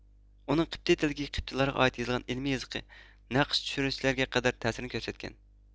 ئۇنىڭ قېبتىي تىلىدىكى قېبتىيلارغا ئائىت يىزىلغان ئىلمى يىزىقى نەقىش چۈشۈرۈشلەرگە قەدەر تەسىرىنى كۆرسەتكەن